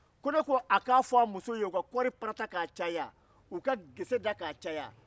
ko ne ko '' a k'a fɔ a muso ye u ka kɔɔri parata k'a caya u ka gese da k'a caya